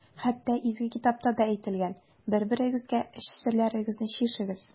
Хәтта Изге китапта да әйтелгән: «Бер-берегезгә эч серләрегезне чишегез».